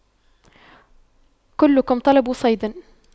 كلكم طلب صيد